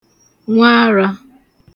nwaarā